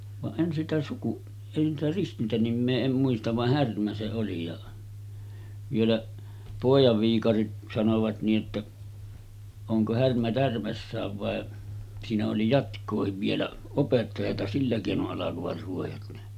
vaan en sitä - en sitä ristintänimeä en muista vaan Härmä se oli ja vielä pojan viikarit sanoivat niin että onko Härmä tärmässään vai siinä oli jatkoakin vielä opettajaa sillä keinoin alkoivat ruojat ne